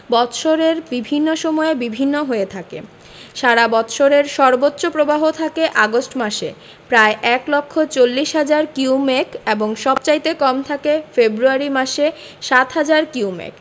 বৎসরের বিভিন্ন সময়ে বিভিন্ন হয়ে থাকে সারা বৎসরের সর্বোচ্চ প্রবাহ থাকে আগস্ট মাসে প্রায় এক লক্ষ চল্লিশ হাজার কিউমেক এবং সবচাইতে কম থাকে ফেব্রুয়ারি মাসে ৭হাজার কিউমেক